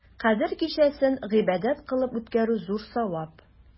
Кадер кичәсен гыйбадәт кылып үткәрү зур савап.